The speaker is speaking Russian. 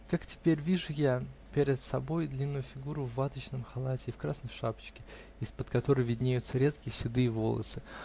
Как теперь вижу я перед собой длинную фигуру в ваточном халате и в красной шапочке, из-под которой виднеются редкие седые волосы.